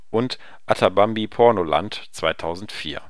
und Attabambi-Pornoland (2004